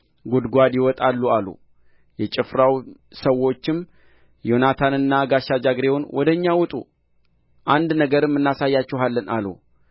ጕድጓድ ይወጣሉ አሉ የጭፍራው ሰዎችም ዮናታንንና ጋሻ ጃግሬውን ወደ እኛ ውጡ አንድ ነገርም እናሳያችኋለን አሉ